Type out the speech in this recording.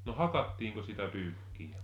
no hakattiinko sitä pyykkiä